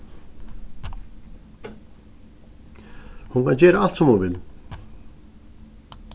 hon kann gera alt sum hon vil